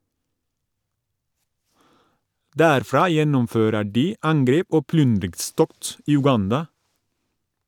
Derfra gjennomfører de angrep og plyndringstokt i Uganda.